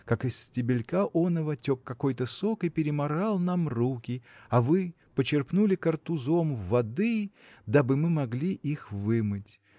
как из стебелька оного тек какой-то сок и перемарал нам руки а вы почерпнули картузом воды дабы мы могли их вымыть